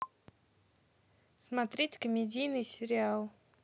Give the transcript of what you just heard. смотреть комедийный сериал